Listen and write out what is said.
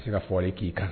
I se ka fɔlen k'i kan